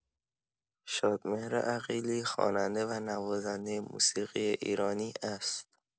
شادمهر عقیلی خواننده و نوازنده موسیقی ایرانی است.